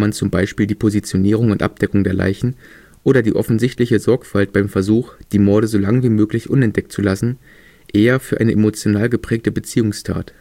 zum Beispiel die Positionierung und Abdeckung der Leichen oder die offensichtliche Sorgfalt beim Versuch, die Morde so lang wie möglich unentdeckt zu lassen) eher für eine emotional geprägte Beziehungstat